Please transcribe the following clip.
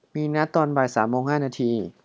มีนัดตอนบ่ายสามโมงห้านาที